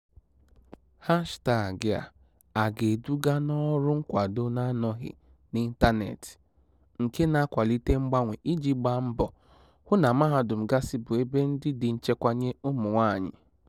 Hashịtaagị a aga eduga n'ọrụ nkwado na-anọghị n'ịntaneetị nke na-akwalite mgbanwe iji gbaa mbọ hụ na mahadum gasị bụ ebe ndị dị nchekwa nye ụmụ nwaanyị?